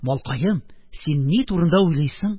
Малкаем, син ни турында уйлыйсың?